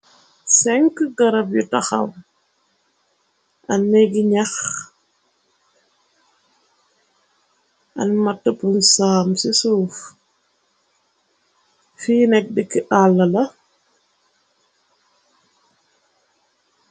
Senka garab yu taxaw ak negi ñyax ak mata bunsaam ci suuf fi nek deki àlla la.